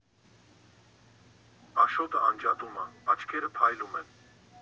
Աշոտը անջատում ա, աչքերը փայլում են։